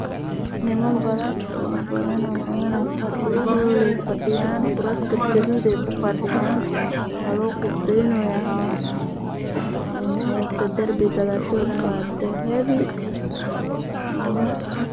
Niman badan oo fadhiyo